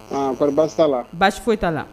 Aa t'a la baasi foyi t'a la